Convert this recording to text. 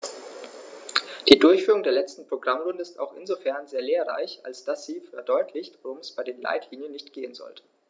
Die Durchführung der letzten Programmrunde ist auch insofern sehr lehrreich, als dass sie verdeutlicht, worum es bei den Leitlinien nicht gehen sollte.